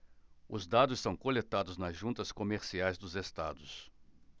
os dados são coletados nas juntas comerciais dos estados